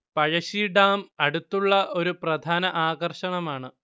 Pazhassi dam അടുത്തുള്ള ഒരു പ്രധാന ആകർഷണമാണ്